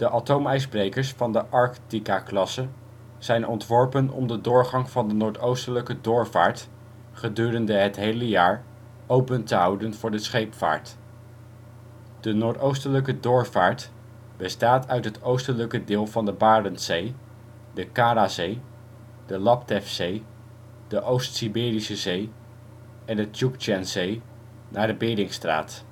atoomijsbrekers van de Arktika-klasse zijn ontworpen om de doorgang van de Noordoostelijke Doorvaart gedurende het hele jaar open te houden voor de scheepvaart. De Noordoostelijke Doorvaart bestaat uit het oostelijke deel van de Barentszzee, de Karazee, de Laptevzee, de Oost-Siberische Zee en de Tsjoektsjenzee naar de Beringstraat